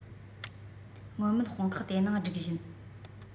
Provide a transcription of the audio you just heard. སྔོན མེད དཔུང ཁག དེ ནང སྒྲིག བཞིན